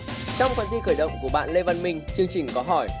trong phần thi khởi động của bạn lê văn minh chương trình có hỏi